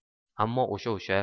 ammo o'sha o'sha